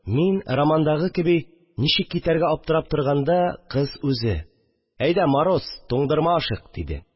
Мин, романдагы кеби, ничек китәргә аптырап торганда, кыз үзе: «Әйдә, мороз (туңдырма) ашыйк», – диде